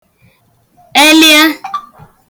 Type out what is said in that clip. elịa